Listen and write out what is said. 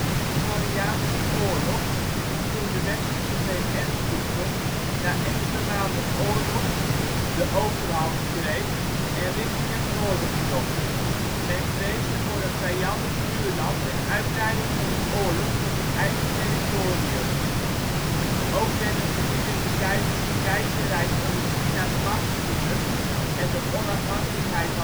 in de Koreaanse Oorlog, toen de Westerse VN-troepen na enkele maanden oorlog de overhand kreeg en richting het noorden trok. Men vreesde voor een vijandig buurland en uitbreiding van de oorlog tot het eigen territorium. Ook werden gebieden die tijdens het keizerrijk onder China 's macht vielen en de onafhankelijkheid